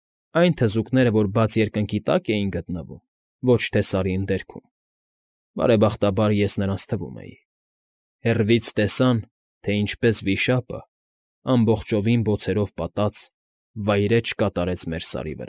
Այն թզուկները, որ բաց երկնքի տակ էին գտնվում և ոչ թե Սարի ընդերքում (բարեբախտաբար ես նրանց թվում էի), հեռվից տեսան, թե ինչպես Վիշապը, ամբողջովին բոցերով պատած, վայրէջք կատարեց մեր Սարի։